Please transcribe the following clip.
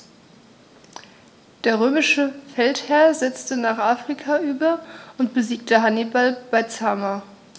Der römische Feldherr setzte nach Afrika über und besiegte Hannibal bei Zama.